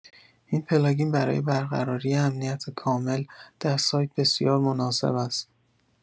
این پلاگین برای برقراری امنیت کامل در سایت بسیار مناسب است.